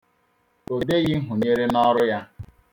O deghị nhunyere n'ọrụ ya.